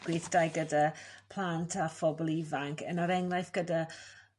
gweithdai gyda plant a phobl ifanc yn er enhraifft gyda